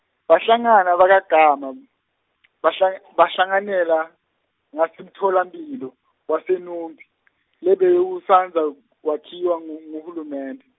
Bahlangana bakaGama , bahlang- bahlanganela, ngasemtfolamphilo waseNumbi , lebewusandza kwakhiwa ngu nguhulumende.